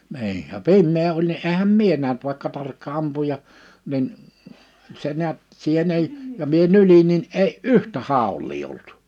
niin ja pimeä oli niin enhän minä nähnyt vaikka tarkka ampuja niin se näet siihen ei ja minä nyljin niin ei yhtä haulia ollut